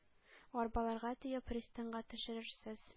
Арбаларга төяп пристаньга төшерерсез.